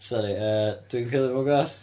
Sori, yy, dwi'n coelio mewn ghosts?